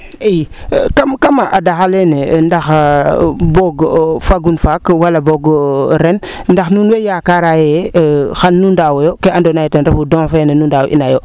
i kam adaxa leene ndax boog fagun faak wala bogen ren ndax nuun wey yaakaara yee xanu ndaawo yo kee ref ina DOn feene nu ndaaw ina yo